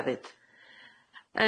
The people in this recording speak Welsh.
hefyd.